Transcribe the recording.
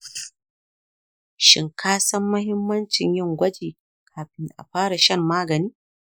shin ka san mahimmancin yin gwaji kafin a fara shan magani?